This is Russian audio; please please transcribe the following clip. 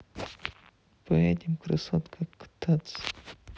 поедем красотка кататься